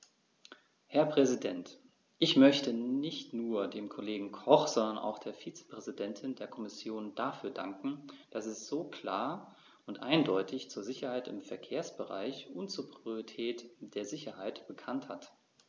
Herr Präsident, ich möchte nicht nur dem Kollegen Koch, sondern auch der Vizepräsidentin der Kommission dafür danken, dass sie sich so klar und eindeutig zur Sicherheit im Verkehrsbereich und zur Priorität der Sicherheit bekannt hat.